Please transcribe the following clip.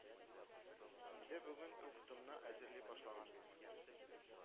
Инде бүген үк томны әзерли башлаганнар